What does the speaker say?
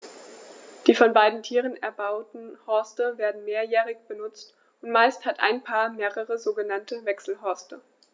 Die von beiden Tieren erbauten Horste werden mehrjährig benutzt, und meist hat ein Paar mehrere sogenannte Wechselhorste.